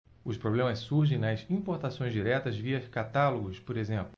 os problemas surgem nas importações diretas via catálogos por exemplo